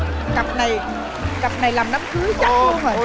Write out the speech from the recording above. cặp này cặp này làm đám cưới chắc luôn rồi